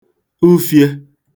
ufiē